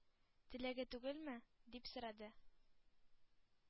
Теләге түгелме?” – дип сорады.